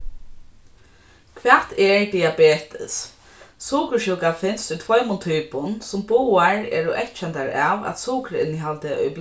hvat er diabetes sukursjúka finst í tveimum typum sum báðar eru eyðkendar av at sukurinnihaldið í